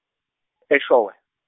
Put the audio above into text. eShowe.